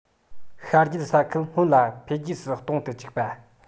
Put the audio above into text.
ཤར རྒྱུད ས ཁུལ སྔོན ལ འཕེལ རྒྱས མགྱོགས སུ གཏོང དུ བཅུག པ